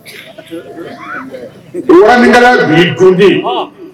Dondi